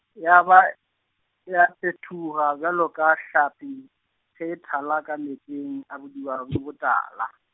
ya ba, ya phetoga bjalo ka hlapi, ge e thala ka meetseng a bodiba bjo botala.